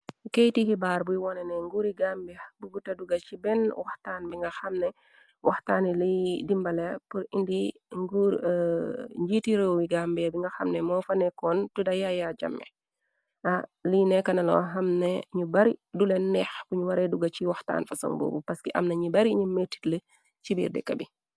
keyti xibaar buy woone ne nguuri Gambia buguta duga ci benn waxtaan bi nga xam ne waxtaani li dimbale pur indi nguur, njiiti réewi Gambia bi nga xam ne, moo fa nekkoon, tuda Yaaya Jamme. Lii nekana loo xam ne ñu bari, du leen neex buñ waree duga si waxtaan fason boobu, paski am na ñu bari ñoo mettit lu ci biir dekka bi.